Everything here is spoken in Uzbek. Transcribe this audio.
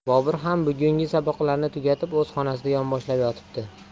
bobur ham bugungi saboqlarini tugatib o'z xonasida yonboshlab yotibdi